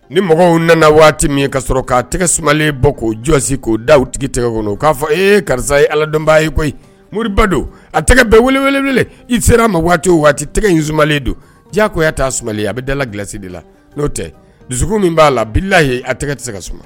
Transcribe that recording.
Ni mɔgɔw nana waati min ye ka sɔrɔ k' tɛgɛ sumalen bɔ k'o jɔsi k'o da tigi tɛgɛ kɔnɔ k'a fɔ e ye karisa ye aladɔnbaa ye koyi moriba don a tɛgɛ bɛɛ weleele i sera ma waati o waati tɛgɛ in zumanlen don jaa koya taa suma a bɛ dala gasi de la n'o tɛ dusu min b'a la bila a tɛgɛ tɛ ka suma